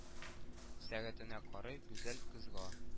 Сәгатенә карый, Гүзәл кызга